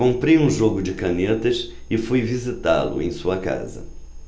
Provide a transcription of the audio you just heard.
comprei um jogo de canetas e fui visitá-lo em sua casa